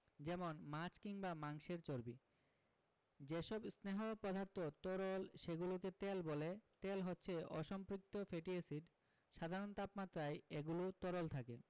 যেমন মাছ কিংবা মাংসের চর্বি যেসব স্নেহ পদার্থ তরল সেগুলোকে তেল বলে তেল হচ্ছে অসম্পৃক্ত ফ্যাটি এসিড সাধারণ তাপমাত্রায় এগুলো তরল থাকে